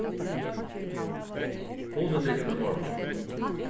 hugnið tykkum í morgin